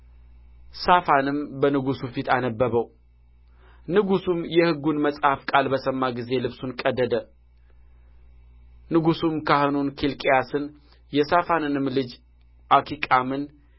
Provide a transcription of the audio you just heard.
ሳፋንም በንጉሡ ፊት አነበበው ንጉሡም የሕጉን መጽሐፍ ቃል በሰማ ጊዜ ልብሱን ቀደደ ንጉሡም ካህኑን ኬልቅያስን የሳፋንንም ልጅ አኪቃምን